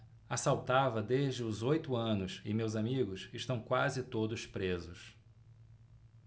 assaltava desde os oito anos e meus amigos estão quase todos presos